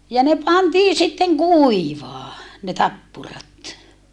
ja ne pantiin sitten kuivamaan ne tappurat